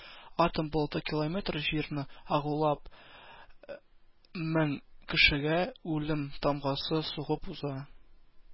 Атом болыты километр җирне агулап мең кешегә үлем тамгасы сугып уза.